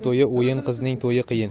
qizning to'yi qiyin